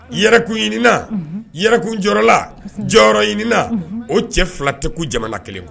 Yɛrɛkuɲina yɛrɛkun jɔyɔrɔla jɔyɔrɔɲina o cɛ fila tɛ jamana kelen kuwa